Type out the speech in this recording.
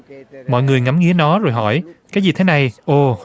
mọi người ngắm nghía nó rồi hỏi cái gì thế này ồ